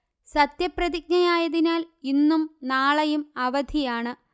സത്യപ്രതിജ്ഞയായതിനാൽ ഇന്നും നാളെയും അവധിയാണ്